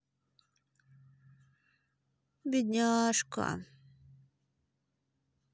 бедняжка